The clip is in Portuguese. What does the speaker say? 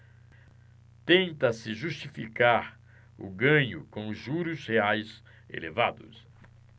tenta-se justificar o ganho com os juros reais elevados